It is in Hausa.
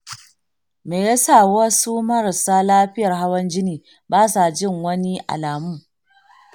me ya sa wasu marasa lafiyar hawan jini ba sa jin wani alamu?